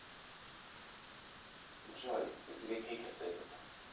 джой у тебя крекер этот